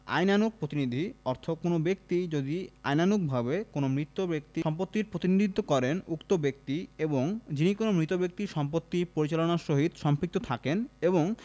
আইনানুগ প্রতিনিধি অর্থ কোন ব্যক্তি যিনি আইনানুগভাবে কোন মৃত ব্যক্তির সম্পত্তির প্রতিনিধিত্ব করেন উক্ত ব্যক্তি এবং যিনি কোন মৃত ব্যক্তির সম্পত্তি পরিচালনার সহিত সম্পৃক্ত থাকেন এবং